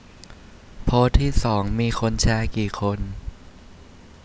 โพสต์ที่สองมีคนแชร์กี่คน